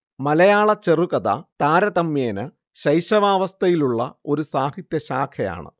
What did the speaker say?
മലയാള ചെറുകഥ താരതമ്യേന ശൈശവാവസ്ഥയിലുള്ള ഒരു സാഹിത്യ ശാഖയാണ്